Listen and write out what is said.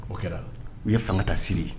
O kɛra, u ye fangata Siri!